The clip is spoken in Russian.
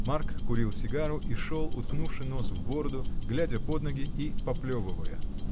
Марк курил сигару и шел, уткнувши нос в бороду, глядя под ноги и поплевывая.